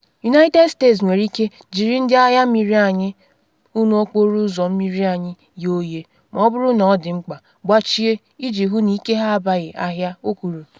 “United States nwere ike, jiri Ndị Agha Mmiri anyị, hụ na okporo ụzọ mmiri anyị ghe oghe, ma ọ bụrụ na ọ dị mkpa, gbachie, iji hụ na ike ha abaghị ahịa.” o kwuru.